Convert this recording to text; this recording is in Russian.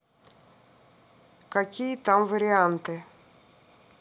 какие там варианты